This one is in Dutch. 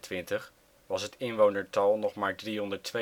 In 1622 was het inwonertal nog maar 392. Na het